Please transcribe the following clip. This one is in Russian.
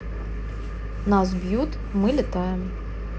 нас бьют мы летаем